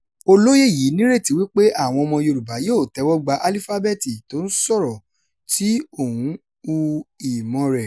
Olóyè yìí nírètí wí pé àwọn ọmọ Yorùbá yóò tẹ́wọ́ gba 'alífábẹ́ẹ̀tì t'ó ń sọ̀rọ̀ ' tí òun hu ìmọ̀ rẹ̀